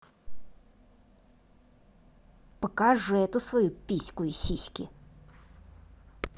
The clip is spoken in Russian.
покажи эту свою письку и сиськи